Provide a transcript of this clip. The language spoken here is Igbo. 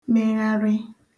mịgharị